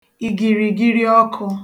ìgìrìgiriọkụ̄